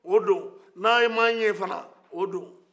o do ni a' ma n ye fana o do